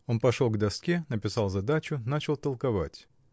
Он пошел к доске, написал задачу, начал толковать.